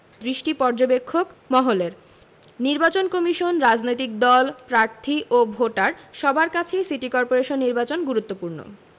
দৃষ্টি পর্যবেক্ষক মহলের নির্বাচন কমিশন রাজনৈতিক দল প্রার্থী ও ভোটার সবার কাছেই সিটি করপোরেশন নির্বাচন গুরুত্বপূর্ণ